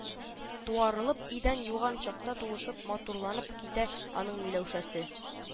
Туарылып идән юган чакта тулышып-матурланып китә аның Миләүшәсе